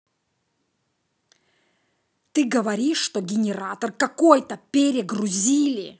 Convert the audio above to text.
ты говоришь что генератор какой то перегрузили